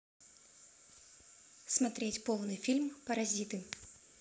смотреть полный фильм паразиты